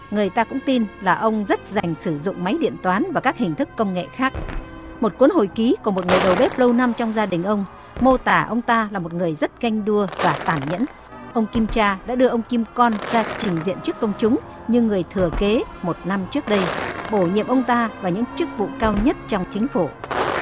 người ta cũng tin là ông rất rành sử dụng máy điện toán và các hình thức công nghệ khác một cuốn hồi ký của một người đầu bếp lâu năm trong gia đình ông mô tả ông ta là một người rất ganh đua và tàn nhẫn ông kim cha đã đưa ông kim con ra trình diện trước công chúng như người thừa kế một năm trước đây bổ nhiệm ông ta và những chức vụ cao nhất trong chính phủ